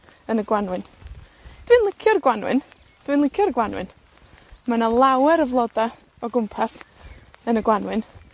yn y Gwanwyn. Dwi'n licio'r Gwanwyn. Dwi'n licio'r Gwanwyn. Ma' 'na lawer o floda o gwmpas yn y Gwanwyn,